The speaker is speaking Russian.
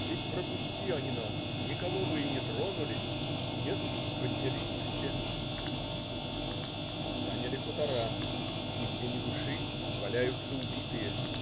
ведь пропусти они нас - никого бы и не тронули, нет, поднялись все". Заняли хутора. Нигде ни души. Валяются убитые.